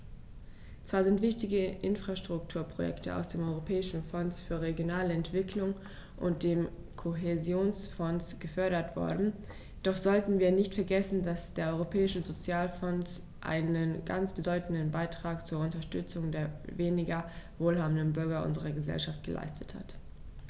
Zwar sind wichtige Infrastrukturprojekte aus dem Europäischen Fonds für regionale Entwicklung und dem Kohäsionsfonds gefördert worden, doch sollten wir nicht vergessen, dass der Europäische Sozialfonds einen ganz bedeutenden Beitrag zur Unterstützung der weniger wohlhabenden Bürger unserer Gesellschaft geleistet hat.